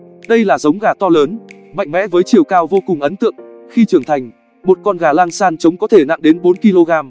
đây là giống gà to lớn mạnh mẽ với chiều cao vô cùng ấn tượng khi trưởng thành một con gà langshan trống có thể nặng đến kg